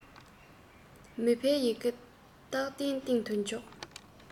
མི ཕོའི ཡི གེ སྟག གདན སྟེང དུ འཇོག